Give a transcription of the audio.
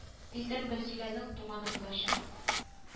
Тиздән гөлзиләнең туганы булачак